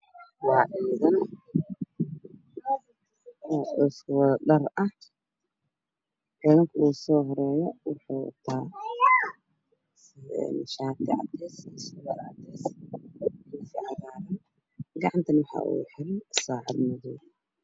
Waa ciidan oo isku dhar ah, kan ugu soo horeeyo waxuu wataa shaati cadeys ah iyo surwaal cadeys ah, koofi cadaan ah. Gacantana waxuu kuwataa saacad.